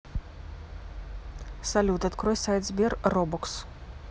салют открой сайт сбер робокс